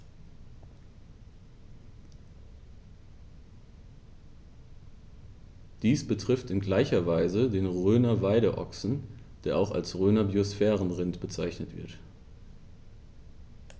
Dies betrifft in gleicher Weise den Rhöner Weideochsen, der auch als Rhöner Biosphärenrind bezeichnet wird.